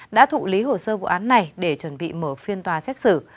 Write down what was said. đã thụ lý hồ sơ vụ án này để chuẩn bị mở phiên tòa xét xử